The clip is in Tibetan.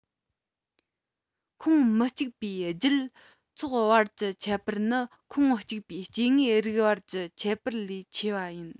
ཁོངས མི གཅིག པའི རྒྱུད ཚོགས བར གྱི ཁྱད པར ནི ཁོངས གཅིག པའི སྐྱེ དངོས རིགས བར གྱི ཁྱད པར ལས ཆེ བ ཡིན